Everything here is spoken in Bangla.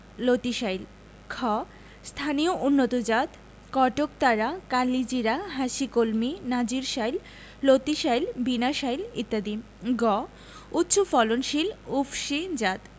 লতিশাইল খ স্থানীয় উন্নতজাতঃ কটকতারা কালিজিরা হাসিকলমি নাজির শাইল লতিশাইল বিনাশাইল ইত্যাদি গ উচ্চফলনশীল উফশী জাতঃ